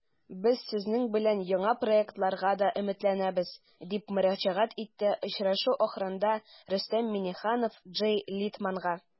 Без сезнең белән яңа проектларга да өметләнәбез, - дип мөрәҗәгать итте очрашу ахырында Рөстәм Миңнеханов Джей Литманга.